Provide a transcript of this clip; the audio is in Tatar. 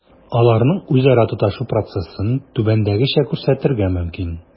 Аларның үзара тоташу процессын түбәндәгечә күрсәтергә мөмкин: